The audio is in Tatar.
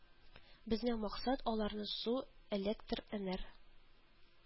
Безнең максат аларны су, электр энер